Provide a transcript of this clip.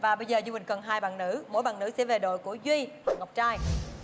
và bây giờ như quỳnh cần hai bạn nữ mỗi bằng nữ sẽ về đội của duy ngọc trai